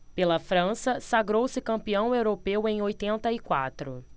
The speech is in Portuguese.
pela frança sagrou-se campeão europeu em oitenta e quatro